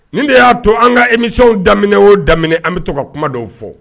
Nin de y'a to an ka emiw daminɛ o daminɛ an bɛ to ka kuma dɔw fɔ